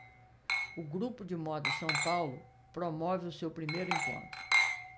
o grupo de moda são paulo promove o seu primeiro encontro